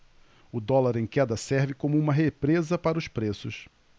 o dólar em queda serve como uma represa para os preços